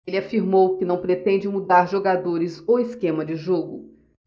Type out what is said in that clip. ele afirmou que não pretende mudar jogadores ou esquema de jogo